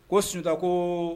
Ko sunjatata ko